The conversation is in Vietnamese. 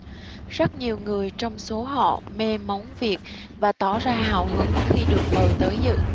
rất nhiều người trong số họ mê món việt và tỏ ra hào hứng khi được mời tới dự